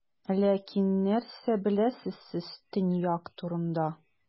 Ләкин нәрсә беләсез сез Төньяк турында?